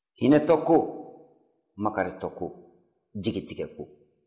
hinɛtɔ ko makaritɔ ko jigitigɛ ko